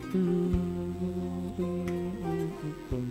Unnn un un un un